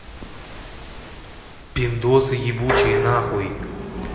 пиндосы ебучие нахуй